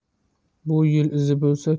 bu yil izi bo'lsa